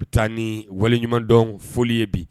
Bɛ taa ni waleɲumandɔn foli ye bi